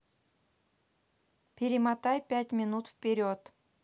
перемотай пять минут вперед